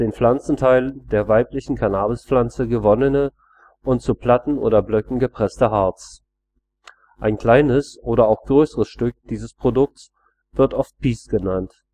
Pflanzenteilen der weiblichen Cannabispflanze gewonnene und zu Platten oder Blöcken gepresste Harz. Ein kleines oder auch größeres Stück dieses Produkts wird oft „ Piece “genannt